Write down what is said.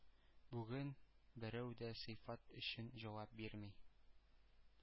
Бүген берәү дә сыйфат өчен җавап бирми